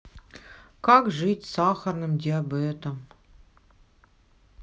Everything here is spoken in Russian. как жить с сахарным диабетом